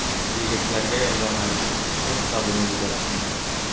Егетләргә язам әле: кер сабыны җибәрсеннәр.